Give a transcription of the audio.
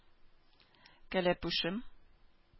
Кәләпүшем